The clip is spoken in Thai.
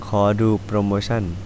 ขอดูโปรโมชั่น